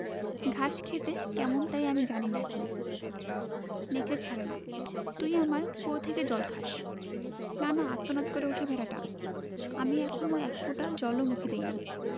ঘাস খেতে কেমন তাই আমি জানি না এখনো নেকড়ে ছাড়ে না তুই আমার কুয়ো থেকে জল খাস না না আর্তনাদ করে ওঠে ভেড়াটা আমি এখনো এক ফোঁটা জল ও মুখে দিইনি